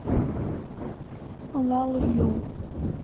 лал ю